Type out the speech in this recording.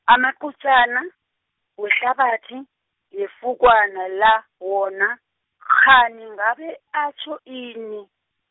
amaqutjana, wehlabathi, yefukwana la, wona, kghani ngabe atjho ini.